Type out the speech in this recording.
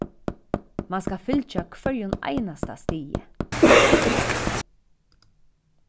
mann skal fylgja hvørjum einasta stigi